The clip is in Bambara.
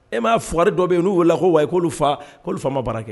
E m'a fug dɔ bɛ yen n'u wele ko waa'olu faa k'olu fa ma baara kɛ